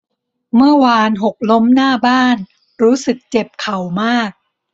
เมื่อวานหกล้มหน้าบ้านรู้สึกเจ็บเข่ามาก